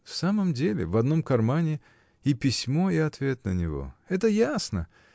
В самом деле: в одном кармане и письмо и ответ на него! Это ясно!